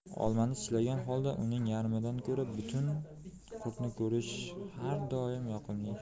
olmani tishlagan holda uning yarmidan ko'ra butun qurtni ko'rish har doim yoqimli